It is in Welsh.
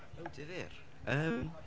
O difyr. Yym...